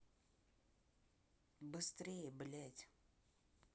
быстрее блядь